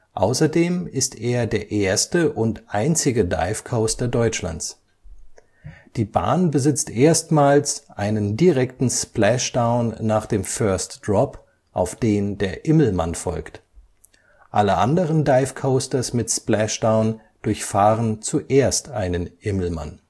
Außerdem ist er der erste und einzige Dive Coaster Deutschlands. Die Bahn besitzt erstmals einen direkten Splashdown nach dem First Drop, auf den der Immelmann folgt. Alle anderen Dive Coasters mit Splashdown durchfahren zuerst einen Immelmann